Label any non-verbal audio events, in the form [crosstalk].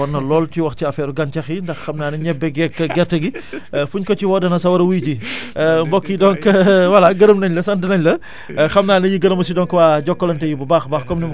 xam naa ne [hesitation] Pape Gora Kane sama mbokku Kaneen bi sawar na lool [laughs] ci wax ci affaire gàncax yi [laughs] ndax xam naa ne ñebe geeg gerte gi fu ñu ko ci woo dina fa sawar a wuyu ji [laughs] [hesitation] mbokk yi donc [laughs] voilà gërëm nañ la sant nañ la